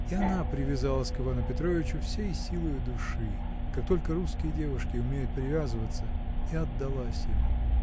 И она привязалась к Ивану Петровичу всей силою души, как только русские девушки умеют привязываться, -- и отдалась ему.